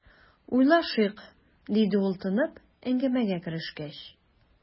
"уйлашыйк", - диде ул, тынып, әңгәмәгә керешкәч.